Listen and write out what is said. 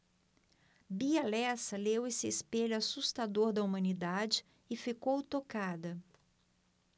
bia lessa leu esse espelho assustador da humanidade e ficou tocada